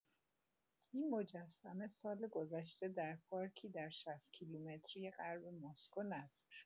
این مجسمه سال‌گذشته در پارکی در ۶۰ کیلومتری غرب مسکو نصب شد.